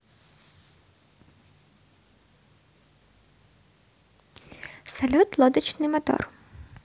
салют лодочный мотор